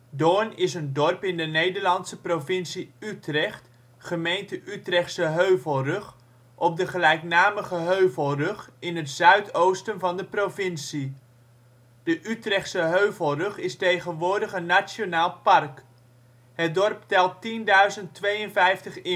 Doorn is een dorp in de Nederlandse provincie Utrecht, gemeente Utrechtse Heuvelrug, op de gelijknamige Heuvelrug in het zuidoosten van de provincie. De Utrechtse Heuvelrug is tegenwoordig een nationaal park. Het dorp telt 10.052 inwoners (2008